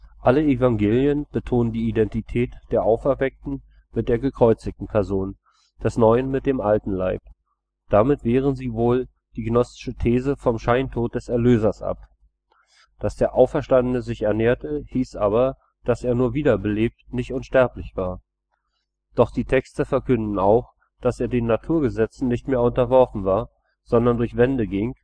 Alle Evangelien betonen die Identität der auferweckten mit der gekreuzigten Person, des neuen mit dem alten Leib: Damit wehren sie wohl die gnostische These vom „ Scheintod “des Erlösers ab. Dass der Auferstandene sich ernährte, hieße aber, dass er nur wiederbelebt, nicht unsterblich war. Doch die Texte verkünden auch, dass er den Naturgesetzen nicht mehr unterworfen war, sondern durch Wände ging